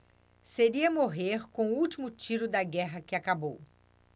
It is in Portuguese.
seria morrer com o último tiro da guerra que acabou